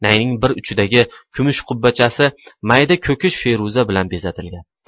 nayning bir uchidagi kumush qubbachasi mayda ko'kish feruza bilan bezatilgan